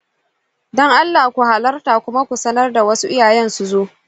dan allah ku halarta kuma ku sanar da wasu iyayen su zo.